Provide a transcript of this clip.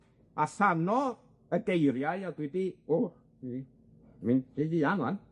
a thano y geiriau a dwi di- o, dwi'n mynd rhy fuan ŵan.